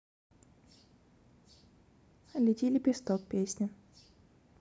лети лепесток песня